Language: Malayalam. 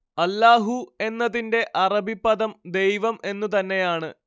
അല്ലാഹു എന്നതിന്റെ അറബി പദം ദൈവം എന്നു തന്നെയാണ്